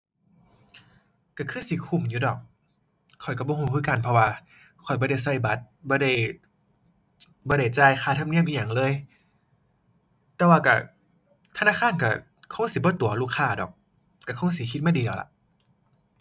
ก็คือสิคุ้มอยู่ดอก ข้อยก็บ่ก็คือกัน เพราะว่าข้อยบ่ได้ก็บัตร บ่ได้ บ่ได้จ่ายค่าธรรมเนียมอิหยังเลย แต่ว่าก็ ธนาคารก็คงสิบ่ตั๋วลูกค้าดอก ก็คงสิคิดมาดีแล้วล่ะ